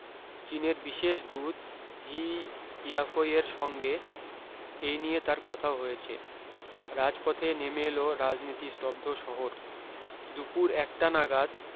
চীনের বিশেষ দূত হি ইয়াফইয়ের সঙ্গে এই নিয়ে তার কথাও হয়েছে রাজপথে নেমে এল রাজনীতি স্তব্ধ শহর দুপুর একটা নাগাদ